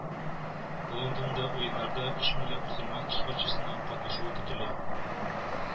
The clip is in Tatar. Лондонда уеннарда өч меңләп мөселман спортчысының катнашуы көтелә